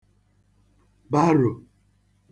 barò